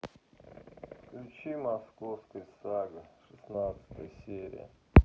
включи московская сага шестнадцатая серия